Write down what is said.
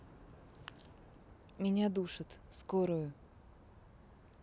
меня душат скорую